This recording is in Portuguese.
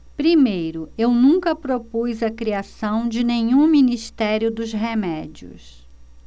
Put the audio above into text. primeiro eu nunca propus a criação de nenhum ministério dos remédios